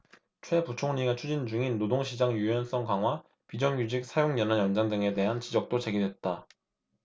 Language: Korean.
최 부총리가 추진 중인 노동시장 유연성 강화 비정규직 사용연한 연장 등에 대한 지적도 제기됐다